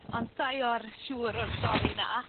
Ond sai o'r siŵr o'r stori 'na.